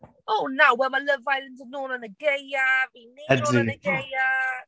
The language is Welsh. Ow na! Wel, mae Love Island yn ôl yn y gaeaf. 'Y... Ydi...ni yn ôl yn y gaeaf.